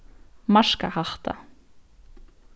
marka hatta